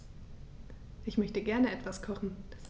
Ich möchte gerne etwas kochen.